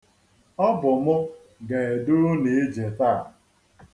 Ọ bụ mụ ga-edu unu ije taa.